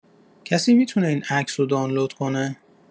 کسی می‌تونه این عکس رو دانلود کنه؟